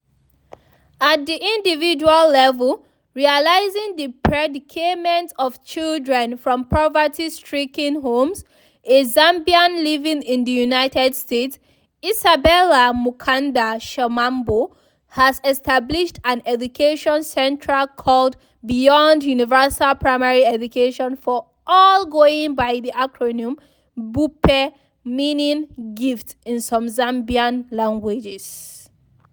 At the individual level, realising the predicament of children from poverty-stricken homes, a Zambian living in the United States, Isabella Mukanda Shamambo, has established an education centre called Beyond Universal Primary Education for All going by the acronym, BUPE (meaning “gift” in some Zambian languages).